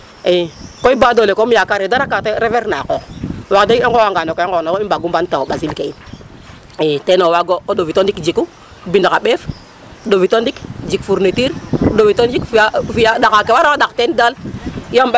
II kom baadoole yakaaree dara ka ta refeerna a qooq wax deg i nqooxanga no ke i nqooxna rek i mbaagu mbaan ta ɓasil ke in i ten o waag o ɗofit o ndik jiku, ɗofit o ndik jik fourniture, ɗofit o jik fi'aa fi'aa ɗaxa ke waroona ɗax teen daal.